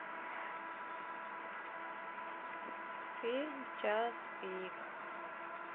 фильм час пик